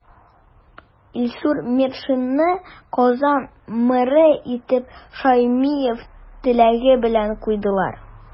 Илсур Метшинны Казан мэры итеп Шәймиев теләге белән куйдылар.